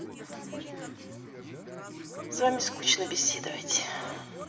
с вами скучно беседовать